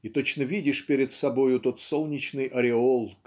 и точно видишь перед собою тот солнечный ореол